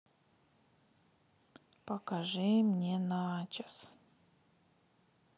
закажи мне начос